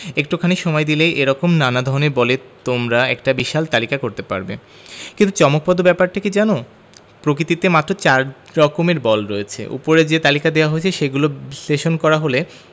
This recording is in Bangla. একটুখানি সময় দিলেই এ রকম নানা ধরনের বলের তোমরা একটা বিশাল তালিকা তৈরি করতে পারবে কিন্তু চমকপ্রদ ব্যাপারটি কী জানো প্রকৃতিতে মাত্র চার রকমের বল রয়েছে ওপরে যে তালিকা দেওয়া হয়েছে সেগুলোকে বিশ্লেষণ করা হলে